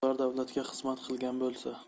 bular davlatga xizmat qilgan bo'lsa